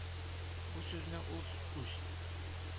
Бу сүзне ул үз